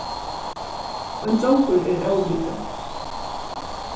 ein drongur er óviti